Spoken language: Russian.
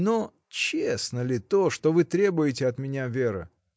Но честно ли то, что вы требуете от меня, Вера?